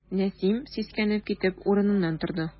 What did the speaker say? Нәсим, сискәнеп китеп, урыныннан торды.